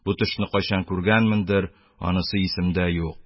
Бу төшне кайчан күргәнмендер, анысы исемдә юк.